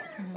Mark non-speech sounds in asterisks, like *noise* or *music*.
*hesitation* *hesitation*